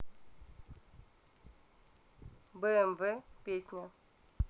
бмв песня